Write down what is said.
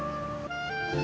a